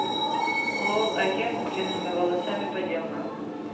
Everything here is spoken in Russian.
лол агент с длинными волосами поделка